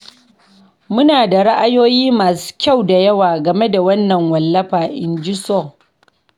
Muna da ra’ayoyi masu kyau da yawa game da wannan wallafa. In ji Sow.